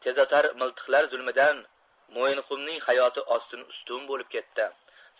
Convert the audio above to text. tezotar miltiqlar zulmidan mo'yinqumning hayoti ostin ustun bo'lib ketdi